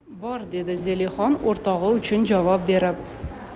bor dedi zelixon o'rtog'i uchun javob berib